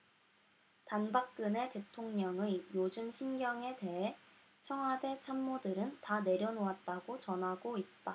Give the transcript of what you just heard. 단박근혜 대통령의 요즘 심경에 대해 청와대 참모들은 다 내려놓았다고 전하고 있다